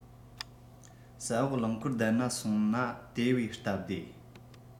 ས འོག རླངས འཁོར བསྡད ན སོང ན དེ བས སྟབས བདེ